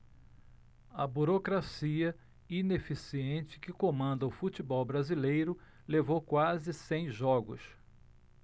a burocracia ineficiente que comanda o futebol brasileiro levou quase cem jogos